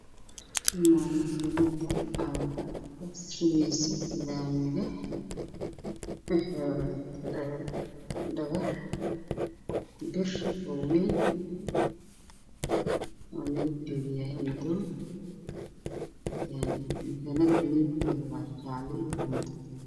Waa makiinada sameyneyso laamiga